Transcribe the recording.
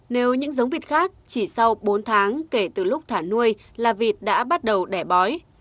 nếu những giống vịt khác chỉ sau bốn tháng kể từ lúc thả nuôi là vịt đã bắt đầu đẻ bói